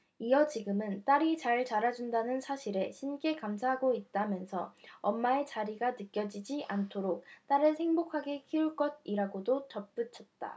이어 지금은 딸이 잘 자라준다는 사실에 신께 감사하고 있다 면서 엄마의 자리가 느껴지지 않도록 딸을 행복하게 키울 것 이라고 덧붙였다